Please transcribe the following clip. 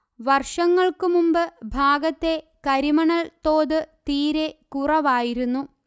വർഷങ്ങൾക്കുമുമ്പ് ഭാഗത്തെ കരിമണൽ തോത് തീരെ കുറവായിരുന്നു